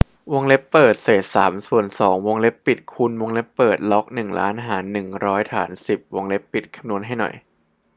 วงเล็บเปิดเศษสามส่วนสองวงเล็บปิดคูณวงเล็บเปิดล็อกหนึ่งล้านหารหนึ่งร้อยฐานสิบวงเล็บปิดคำนวณให้หน่อย